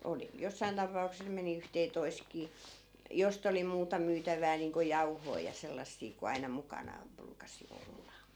oli jossakin tapauksessa meni yhteentoistakin josta oli muuta myytävää niin kuin jauhoja ja sellaisia kuin aina mukanaan ruukasi olla